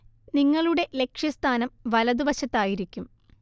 നിങ്ങളുടെ ലക്ഷ്യസ്ഥാനം വലതുവശത്തായിരിക്കും